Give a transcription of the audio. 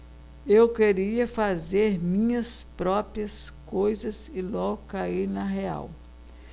eu queria fazer minhas próprias coisas e logo caí na real